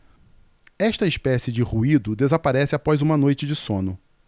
esta espécie de ruído desaparece após uma noite de sono